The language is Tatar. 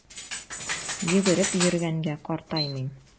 Йөгереп йөргәнгә картаймыйм!